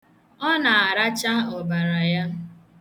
Ọ na-aracha ọbara ya.